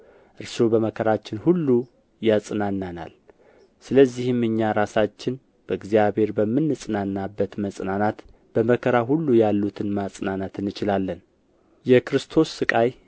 እርሱ በመከራችን ሁሉ ያጽናናናል ስለዚህም እኛ ራሳችን በእግዚአብሔር በምንጽናናበት መጽናናት በመከራ ሁሉ ያሉትን ማጽናናት እንችላለን የክርስቶስ ሥቃይ